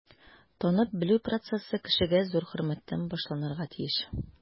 Танып-белү процессы кешегә зур хөрмәттән башланырга тиеш.